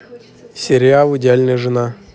сериал идеальная жена